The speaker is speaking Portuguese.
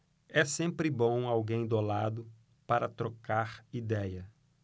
é sempre bom alguém do lado para trocar idéia